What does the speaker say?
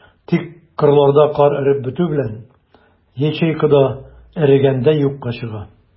Тик кырларда кар эреп бетү белән, ячейка да эрегәндәй юкка чыга.